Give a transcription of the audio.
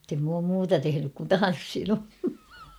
mutta en minä ole muuta tehnyt kuin tanssinut